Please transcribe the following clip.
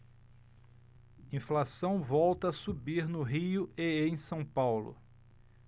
inflação volta a subir no rio e em são paulo